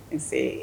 Nsee